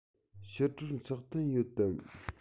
ཕྱི དྲོར ཚོགས ཐུན ཡོད དམ